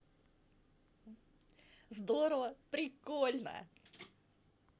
здорово прикольно